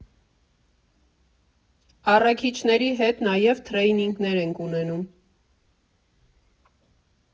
Առաքիչների հետ նաև թրեյնինգներ ենք ունենում։